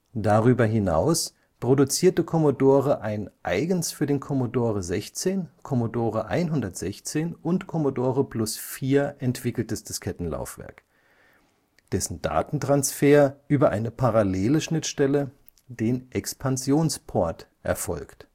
Darüber hinaus produzierte Commodore ein eigens für den Commodore 16, 116 und Plus/4 entwickeltes Diskettenlaufwerk, dessen Datentransfer über eine parallele Schnittstelle, den Expansionsport erfolgt